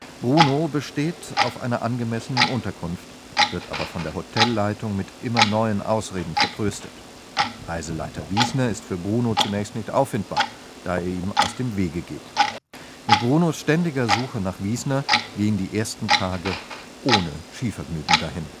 Bruno besteht auf einer angemessenen Unterkunft, wird aber von der Hotelleitung mit immer neuen Ausreden vertröstet. Reiseleiter Wiesner ist für Bruno zunächst nicht auffindbar, da er ihm aus dem Wege geht. Mit Brunos ständiger Suche nach Wiesner gehen die ersten Tage ohne Skivergnügen dahin